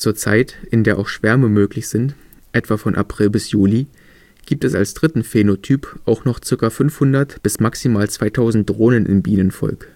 Zeit, in der auch Schwärme möglich sind, etwa von April bis Juli, gibt es als dritten Phänotyp auch noch ca. 500 bis maximal 2000 Drohnen im Bienenvolk